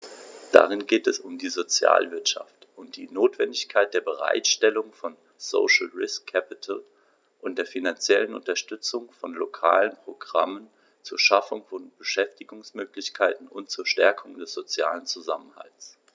Darin geht es um die Sozialwirtschaft und die Notwendigkeit der Bereitstellung von "social risk capital" und der finanziellen Unterstützung von lokalen Programmen zur Schaffung von Beschäftigungsmöglichkeiten und zur Stärkung des sozialen Zusammenhalts.